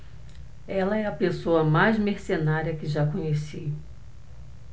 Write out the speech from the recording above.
ela é a pessoa mais mercenária que já conheci